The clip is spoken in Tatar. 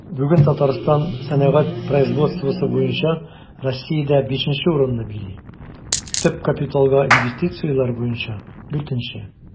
Бүген Татарстан сәнәгать производствосы буенча Россиядә 5 нче урынны били, төп капиталга инвестицияләр буенча 4 нче.